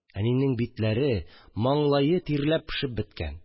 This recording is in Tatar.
Әнинең битләре, маңлае тирләп-пешеп беткән